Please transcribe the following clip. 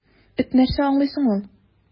Эт нәрсә аңлый соң ул!